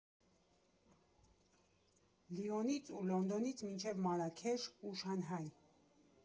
Լիոնից ու Լոնդոնից մինչև Մարաքեշ ու Շանհայ։